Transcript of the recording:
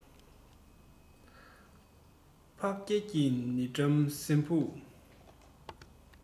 འཕགས རྒྱལ གྱི ནི བྲམ ཟེའི བུ